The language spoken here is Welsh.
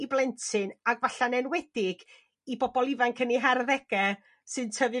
i blentyn? Ac 'falla'n enwedig i bobol ifanc yn eu harddege sy'n tyfu